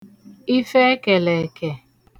ifẹ ẹkẹ̀lẹ̀ ẹ̀kẹ̀